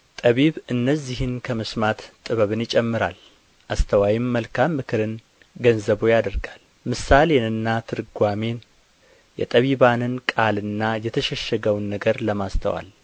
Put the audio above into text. ጠቢብ እነዚህን ከመስማት ጥበብን ይጨምራል አስተዋይም መልካም ምክርን ገንዘቡ ያደርጋል ምሳሌንና ትርጓሜን የጠቢባንና ቃልና የተሸሸገውን ነገር ለማስተዋል